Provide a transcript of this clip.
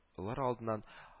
Лыр алдыннан